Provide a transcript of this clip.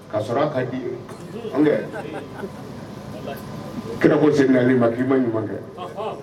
K ka sɔrɔ a ka di ye kɛnɛko seginnali ma k'i ma ɲuman kɛ